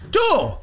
Do?!